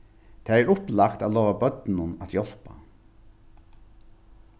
tað er upplagt at lova børnunum at hjálpa